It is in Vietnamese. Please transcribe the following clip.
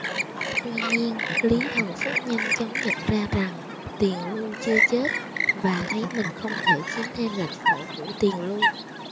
tuy nhiên lý thần phúc nhanh chóng nhận ra rằng tiền lưu chưa chết và thấy mình không thể chiếm thêm lãnh thổ của tiền lưu